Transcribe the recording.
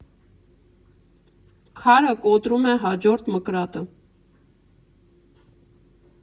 Քարը կոտրում է հաջորդ մկրատը։